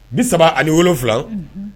Bi saba ani wolofila